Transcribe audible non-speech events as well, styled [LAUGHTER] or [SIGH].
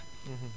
[HESITATION] [HESITATION]